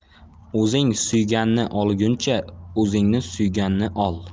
o'zing suyganni olguncha o'zingni suyganni ol